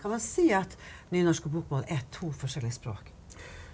kan man si at nynorsk og bokmål er to forskjellige språk?